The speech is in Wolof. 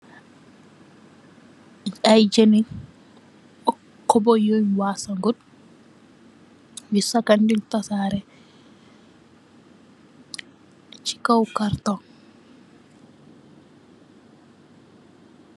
Aiiy jeuni kobo yungh waasagut, yu sakan yungh taasareh cii kaw karton.